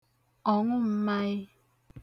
ọ̀ṅụm̄māị̄